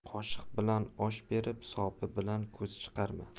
qoshiq bilan osh berib sopi bilan ko'z chiqarma